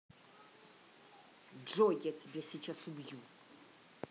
джой я тебя сейчас убью